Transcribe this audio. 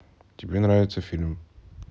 тебе нравится фильм